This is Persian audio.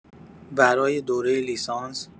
برای دوره لیسانس؟